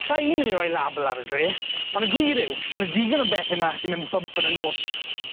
Sa i'n myn' i roi label ar y dre, on' y gwir yw, ma' 'ny digon o bethe 'ma sy'n myn' bump yn y nos.